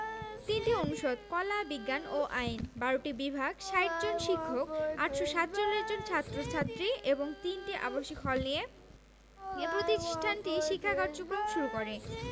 ৩টি অনুষদ কলা বিজ্ঞান ও আইন ১২টি বিভাগ ৬০ জন শিক্ষক ৮৪৭ জন ছাত্র ছাত্রী এবং ৩টি আবাসিক হল নিয়ে এ প্রতিষ্ঠানটি শিক্ষা কার্যক্রম শুরু করে